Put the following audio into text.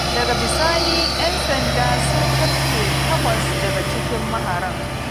Daga bisani 'yan sanda sun cafke takwas daga cikin maharan.